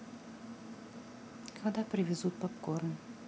когда привезут попкорн